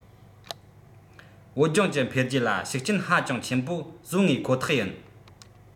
བོད ལྗོངས ཀྱི འཕེལ རྒྱས ལ ཤུགས རྐྱེན ཧ ཅང ཆེན པོ བཟོ ངེས ཁོ ཐག ཡིན